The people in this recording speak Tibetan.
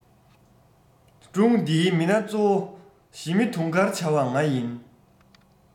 སྒྲུང འདིའི མི སྣ གཙོ བོ ཞི མི དུང དཀར བྱ བ ང ཡིན